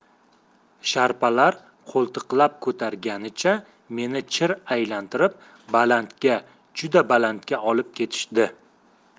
sharpalar qo'ltiqlab ko'targanicha meni chir aylantirib balandga juda balandga olib ketishdi